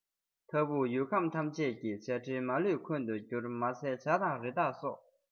མཐའ ཕུགས ཡུལ ཁམས ཐམས ཅད ཀྱི བྱ སྤྲེལ མ ལུས འཁོན དུ གྱུར མ ཚད བྱ དང རི དྭགས སོགས